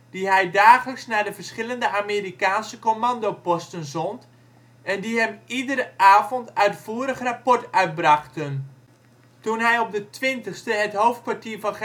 die hij dagelijks naar de verschillende Amerikaanse commandoposten zond en die hem iedere avond uitvoerig rapport uitbrachten. Toen hij op de 20e het hoofdkwartier van generaal